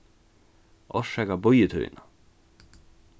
orsaka bíðitíðina